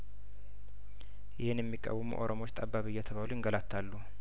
ይህን የሚቃወሙ ኦሮሞዎች ጠባብ እየተባሉ ይንገላታሉ